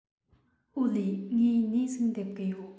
ཨོ ལེ ངས ནས ཟིག འདེབས གི ཡོད